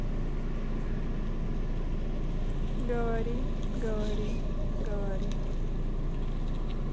говори говори говори